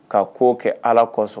Ka'o kɛ ala kɔsɔn